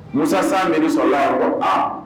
Musa Saamedi sɔrɔ la ka fɔ a